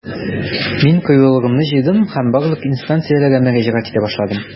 Мин кыюлыгымны җыйдым һәм барлык инстанцияләргә мөрәҗәгать итә башладым.